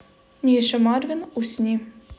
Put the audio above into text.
миша марвин усни